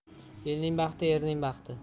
elning baxti erning baxti